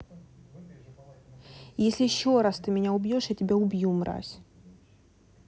если еще раз ты меня убьешь я тебя убью мразь